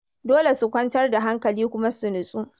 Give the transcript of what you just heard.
Dole su kwantar da hankali kuma su nitsu."